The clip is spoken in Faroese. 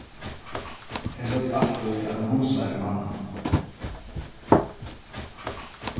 tey søgdu altíð at hon hundsaði við manninum